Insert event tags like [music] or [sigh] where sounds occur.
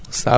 [hesitation] [hesitation]